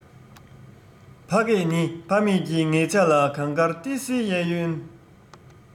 ཕ སྐད ནི ཕ མེས ཀྱིས ངེད ཅག ལ གངས དཀར ཏི སིའི གཡས གཡོན